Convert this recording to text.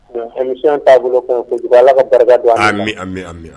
Bon émission taabolo ka ɲi kojugu Ala ka barika don a la, amin amin amin amin